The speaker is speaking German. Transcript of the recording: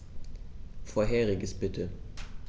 Vorheriges bitte.